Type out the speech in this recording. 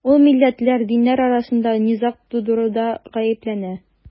Ул милләтләр, диннәр арасында низаг тудыруда гаепләнә.